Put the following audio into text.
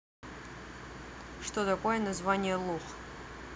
что такое название лох